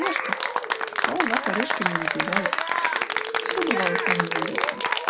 орешков!" -- а он нас орешками и наделяет. Все, бывало, с нами возится.